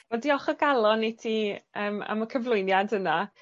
Wel diolch o galon i ti yym am y cyflwyniad yna.